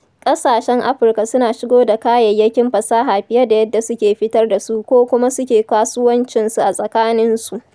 ƙasashen Afirka suna shigo da kayayyakin fasaha fiye da yadda suke fitar da su ko kuma suke kasuwancinsu a tsakaninsu.